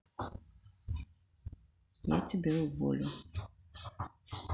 я тебя уволю